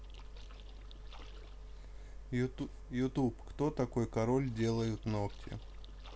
youtube кто такой король делают ногти